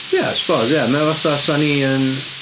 Ia, suppose, ia. Mae fatha 'sen ni yn...